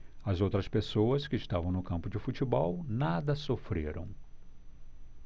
as outras pessoas que estavam no campo de futebol nada sofreram